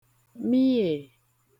miè